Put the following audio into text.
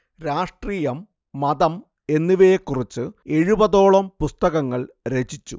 രാഷ്ട്രീയം മതം എന്നിവയെക്കുറിച്ച് എഴുപതോളം പുസ്തകങ്ങൾ രചിച്ചു